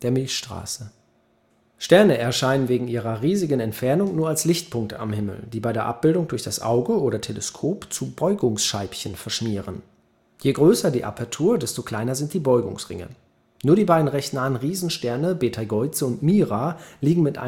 Milchstraße (Galaxis) markiert. Sterne erscheinen wegen ihrer riesigen Entfernung nur als Lichtpunkte am Himmel, die bei der Abbildung durch das Auge oder Teleskop zu Beugungsscheibchen verschmieren. Je größer die Apertur, desto kleiner sind die Beugungsringe (siehe Bild). Nur die beiden recht nahen Riesensterne Beteigeuze und Mira liegen mit